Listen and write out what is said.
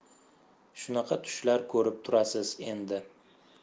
shunaqa tushlar ko'rib turasiz endi